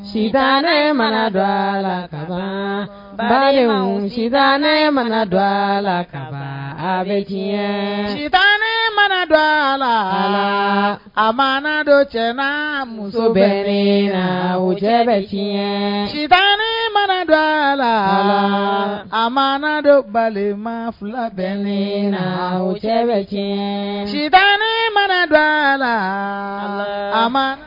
Si ne mana dɔ la balimu si ne mana dɔ a la kalan bɛ ne mana dɔ a la a ma dɔ cɛ na muso bɛ la wo cɛ bɛ sita ne mana dɔ a la a ma dɔ balima fila bɛ ne na wo cɛ bɛ diɲɛ si ne mana dɔ la a